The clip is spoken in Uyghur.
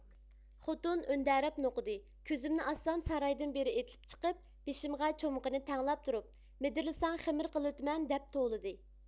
خوتۇن ئۆندەرەپ نوقۇدى كۆزۈمنى ئاچسام سارايدىن بىرى ئېتىلىپ چىقىپ بېشىمغا چومىقىنى تەڭلەپ تۇرۇپ مىدىرلىساڭ خېمىر قىلىۋېتىمەن دەپ توۋلىدى